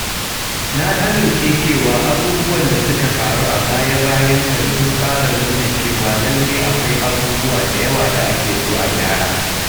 Na amince cewa abubuwan da suka faru a baya-bayan nan sun ƙara nuna cewa lallai akwai abubuwa da yawa da ake so a gyara.